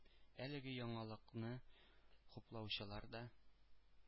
Әлеге яңалыкны хуплаучылар да,